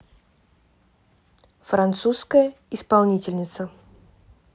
французская исполнительница